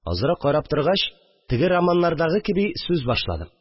Азрак карап торгач, теге романнардагы кеби, сүз башладым